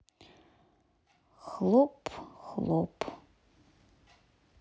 хлоп хлоп